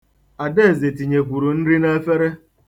Adaeze tinyekwuru nri n'efere.